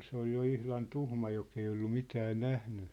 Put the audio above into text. se oli jo ihan tuhma joka ei ollut mitään nähnyt